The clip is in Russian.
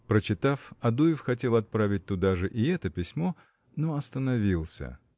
Прочитав, Адуев хотел отправить туда же и это письмо, но остановился.